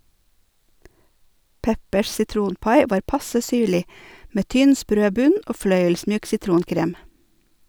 Peppers sitronpai var passe syrlig, med tynn, sprø bunn og fløyelsmyk sitronkrem.